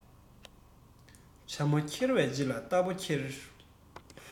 བྱ མོ ཁྱེར བའི རྗེས ལ རྟ ཕོ འཁྱེར